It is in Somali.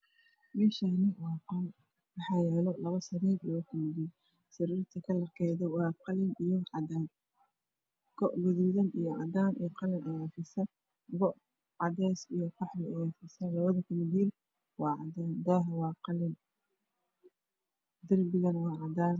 Meeshaani waa qol waxa yaalo labo sariir kalarkeedu qalin goa cadays iyo qaxwi darbigana waa cadaan